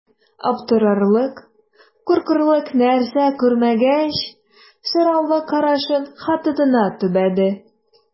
Аптырарлык, куркырлык нәрсә күрмәгәч, сораулы карашын хатынына төбәде.